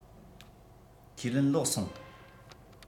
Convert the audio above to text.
ཁས ལེན ལོག སོང